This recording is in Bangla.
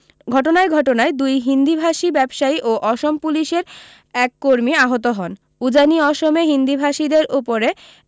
ঘটনায় ঘটনায় দুই হিন্দিভাষী ব্যবসায়ী ও অসম পুলিশের এক কর্মী আহত হন উজানি অসমে হিন্দিভাষীদের উপরে